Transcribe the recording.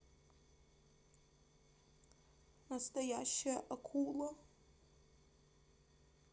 настоящая акула